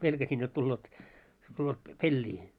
pelkäsin jotta tulevat tulevat - peliin